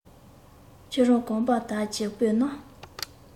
ཁྱོད རང གོམ པ དལ གྱིས སྤོས ན